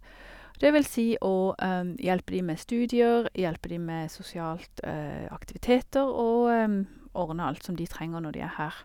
Og det vil si å hjelpe de med studier, hjelpe de med sosialt aktiviteter, og ordne alt som de trenger når de er her.